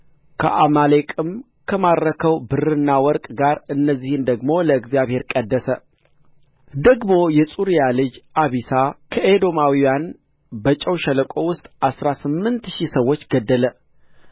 ከአማሌቅም ከማረከው ብርና ወርቅ ጋር እነዚህን ደግሞ ለእግዚአብሔር ቀደሰ ደግሞ የጽሩያ ልጅ አቢሳ ከኤዶማውያን በጨው ሸለቆ ውስጥ አሥራ ስምንት ሺህ ሰዎች ገደለ